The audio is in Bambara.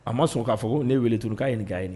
A ma sɔn k'a fɔ ko ne wele tun k'a ɲini ɲininka k'a ɲini